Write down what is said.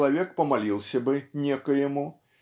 Человек помолился бы Некоему